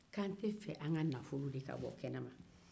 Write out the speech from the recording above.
ko an tɛ fɛ an ka nafolo de ka bɔ kɛnɛma